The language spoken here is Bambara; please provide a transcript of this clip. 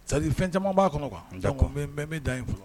Sa fɛn caman b'a kɔnɔ kuwa n bɛ da in fɔlɔ